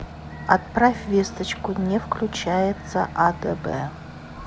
отправь весточку не включается адб